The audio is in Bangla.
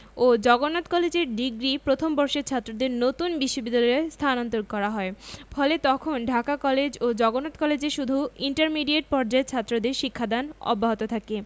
ও জগন্নাথ কলেজের ডিগ্রি প্রথম বর্ষের ছাত্রদের নতুন বিশ্ববিদ্যালয়ে স্থানান্তর করা হয় ফলে তখন ঢাকা কলেজ ও জগন্নাথ কলেজে শুধু ইন্টারমিডিয়েট পর্যায়ের ছাত্রদের শিক্ষাদান অব্যাহত থাকে